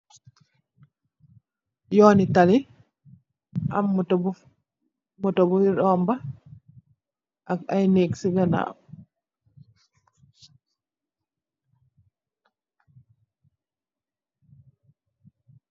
Yooni tali am motto búy romba ak ay nèk ci ganaw.